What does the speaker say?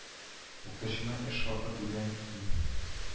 Укытучының эш хакы түбән, ким